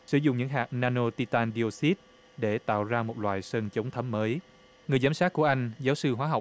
sử dụng những hạt na nô ti tan đi ô xít để tạo ra một loại sơn chống thấm mới người giám sát của anh giáo sư hóa học